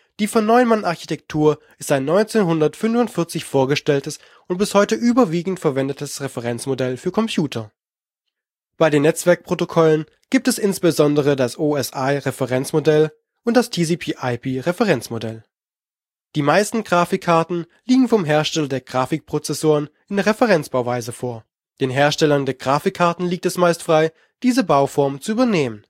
Die Von-Neumann-Architektur ist ein 1945 vorgestelltes und bis heute überwiegend verwendetes Referenzmodell für Computer. Netzwerkprotokolle; hier insbesondere OSI-Referenzmodell, TCP/IP-Referenzmodell Die meisten Grafikkarten liegen vom Hersteller der Grafikprozessoren in Referenzbauweise vor; den Herstellern der Grafikkarten liegt es meist frei, diese Bauform zu übernehmen